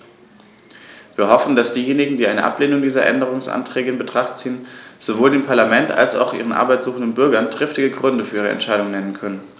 Wir hoffen, dass diejenigen, die eine Ablehnung dieser Änderungsanträge in Betracht ziehen, sowohl dem Parlament als auch ihren Arbeit suchenden Bürgern triftige Gründe für ihre Entscheidung nennen können.